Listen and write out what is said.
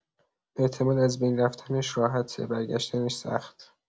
اعتماد از بین رفتنش راحته، برگشتنش سخت.